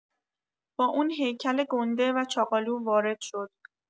با اون هیکل گنده و چاقالو وارد شد.